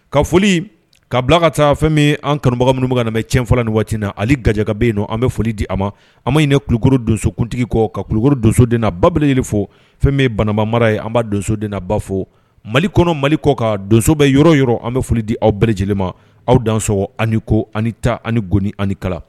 Ka foli ka bila ka taa fɛn min an kanubaga minnu kanmɛ cɛ fɔlɔ ni waatiina ali garijakabe yen an bɛ foli di a ma an ma ɲiniinɛ kulukoro donsokuntigi kɔ ka kuluro donsodina babilenli de fɔ fɛn bɛ banama marara ye an' donsodina ba fo mali kɔnɔ mali kɔ ka donso bɛ yɔrɔ yɔrɔ an bɛ foli di aw bɛɛ lajɛlen ma aw dan sɔrɔ ani ko ani taa ani goni ani kala